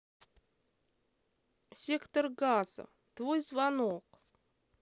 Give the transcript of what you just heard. сектор газа твой звонок